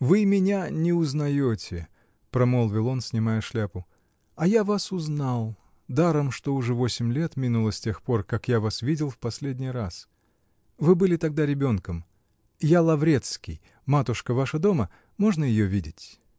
-- Вы меня не узнаете, -- промолвил он, снимая шляпу, -- а я вас узнал, даром что уже восемь лет минуло с тех пор, как я вас видел в последний раз. Вы были тогда ребенком. Я Лаврецкий. Матушка ваша дома? Можно ее видеть?